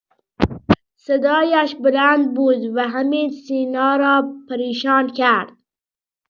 صدایش بلند بود و همین سینا را پریشان کرد.